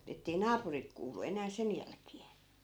että ei naapurit kuullut enää sen jälkeen